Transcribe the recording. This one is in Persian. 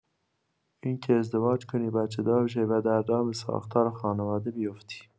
این که ازدواج کنی، بچه‌دار بشوی، و در دام ساختار خانواده بیفتی.